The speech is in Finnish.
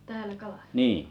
täällä Kalajoella